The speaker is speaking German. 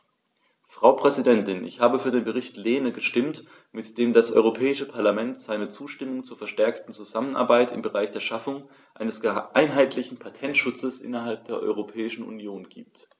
Frau Präsidentin, ich habe für den Bericht Lehne gestimmt, mit dem das Europäische Parlament seine Zustimmung zur verstärkten Zusammenarbeit im Bereich der Schaffung eines einheitlichen Patentschutzes innerhalb der Europäischen Union gibt.